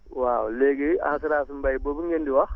waaw léegi assurance mbéy boobu ngeen di wax